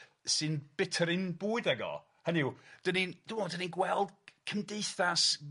Sy'n byta'r un bwyd ag o, hynny yw 'dan ni'n dwi'n me'wl 'dan ni'n gweld cymdeithas